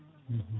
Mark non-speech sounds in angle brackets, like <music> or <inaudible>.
<hesitation> <hesitation>